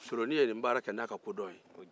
soloni ye nin baara kɛ n'a ka kodɔn ye